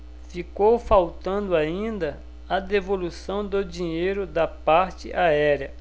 ficou faltando ainda a devolução do dinheiro da parte aérea